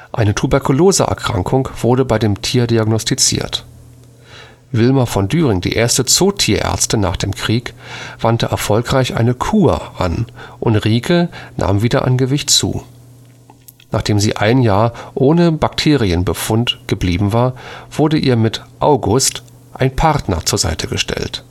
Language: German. Eine Tuberkulose-Erkrankung wurde bei dem Tier diagnostiziert. Wilma von Düring, die erste Zootierärztin nach dem Krieg, wandte erfolgreich eine „ Kur “an und Rieke nahm wieder an Gewicht zu. Nachdem sie ein Jahr ohne Bakterienbefund geblieben war, wurde ihr mit „ August “ein Partnertier zu Seite gestellt